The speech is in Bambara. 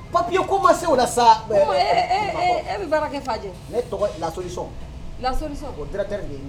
Papi ko ma segu la sa e kɛ fa ne tɔgɔ lasɔli la